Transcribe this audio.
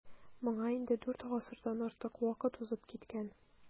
Моңа инде дүрт гасырдан артык вакыт узып киткән.